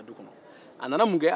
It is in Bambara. a nana mun kɛ